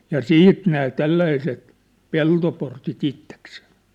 ja sitten nämä tällaiset peltoportit itsekseen